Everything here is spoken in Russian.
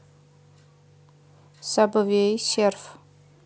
сабвей серф